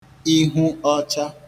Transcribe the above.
ihwu ọcha